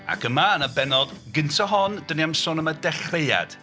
Ac yma yn y bennod gyntaf hon 'da ni am sôn am y dechreuad.